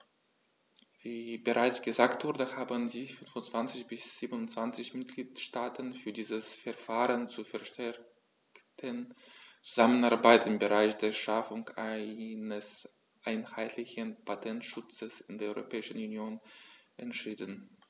Wie bereits gesagt wurde, haben sich 25 der 27 Mitgliedstaaten für dieses Verfahren zur verstärkten Zusammenarbeit im Bereich der Schaffung eines einheitlichen Patentschutzes in der Europäischen Union entschieden.